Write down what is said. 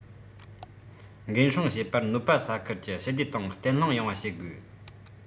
འགན སྲུང བྱེད པར གནོད པ ས ཁུལ གྱི ཞི བདེ དང བརྟན ལྷིང ཡོང བ བྱེད དགོས